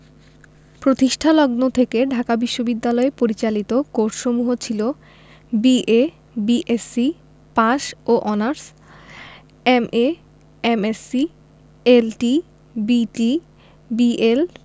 প্রতিষ্ঠালগ্ন থেকে ঢাকা বিশ্ববিদ্যালয় পরিচালিত কোর্সসমূহ ছিল বি.এ বি.এসসি পাস ও honours M A M Sc L T B T BL